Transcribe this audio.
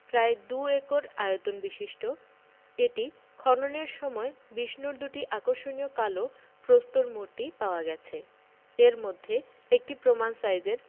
প্রায় দুএকর আয়তন বিশিষ্ট এটি খননের সময় বিষ্ণুর দুটি আকর্ষণীয় কালো প্রস্তর মূর্তি পাওয়া গেছে এর মধ্যে একটি প্রমাণ সাইজের